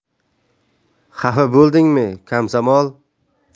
xafa bo'ldingmi komsomol